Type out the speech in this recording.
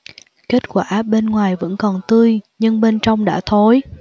kết quả bên ngoài vẫn còn tươi nhưng bên trong đã thối